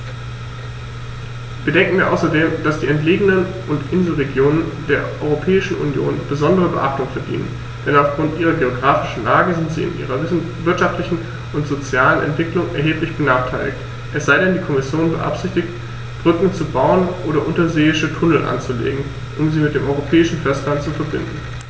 Bedenken wir außerdem, dass die entlegenen und Inselregionen der Europäischen Union besondere Beachtung verdienen, denn auf Grund ihrer geographischen Lage sind sie in ihrer wirtschaftlichen und sozialen Entwicklung erheblich benachteiligt - es sei denn, die Kommission beabsichtigt, Brücken zu bauen oder unterseeische Tunnel anzulegen, um sie mit dem europäischen Festland zu verbinden.